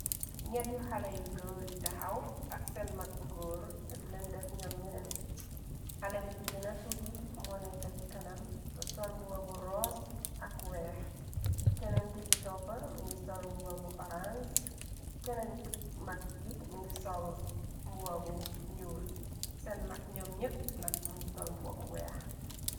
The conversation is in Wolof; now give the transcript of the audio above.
ñetti xale yi góor yi texaw ak seen mag bu góor dilen def ñoom ñeneen xale bi ci gina tuuti moneka ci kanam sol mbuwa bu ross ak weex keneen ki ci toppa mingi sol mbuba bu horange keneen kic mag ki mingi sol mbuwa bu ñuul seen mag ñoom ñépp nak mingi sol mbuwa bu weex